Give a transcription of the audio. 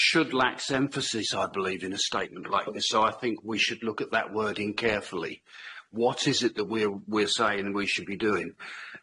Should lacks emphasis, I believe, in a statement like this, so I think we should look at that wording carefully. What is it that we're saying we should be doing?